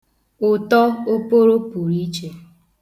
Ụtọ oporo puru iche.